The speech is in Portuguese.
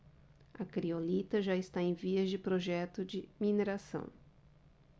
a criolita já está em vias de projeto de mineração